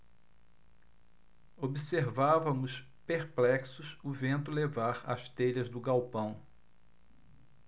observávamos perplexos o vento levar as telhas do galpão